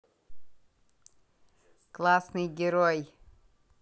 классный герой